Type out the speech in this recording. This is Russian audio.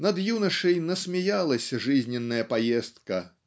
Над юношей насмеялась жизненная поездка